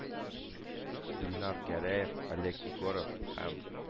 Илнар Гәрәев, Олег Егоров һәм